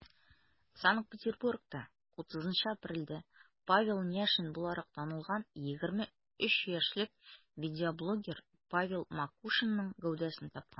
Санкт-Петербургта 30 апрельдә Павел Няшин буларак танылган 23 яшьлек видеоблогер Павел Макушинның гәүдәсен тапканнар.